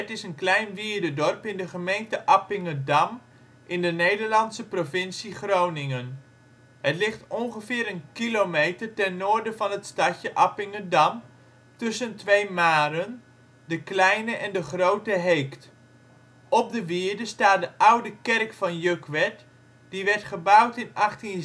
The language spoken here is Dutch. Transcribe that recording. is een klein wierdedorp in de gemeente Appingedam in de Nederlandse provincie Groningen. Het ligt ongeveer een kilometer ten noorden van het stadje Appingedam, tussen twee maren: de Kleine en de Groote Heekt. Op de wierde staat de oude kerk van Jukwerd, die werd gebouwd in 1866